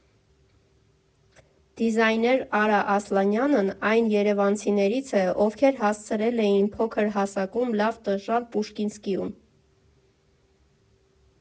Դիզայներ Արա Ասլանյանն այն երևանցիներից է, ովքեր հասցրել էին փոքր հասակում լավ տժժալ «Պուշկինսկիում»։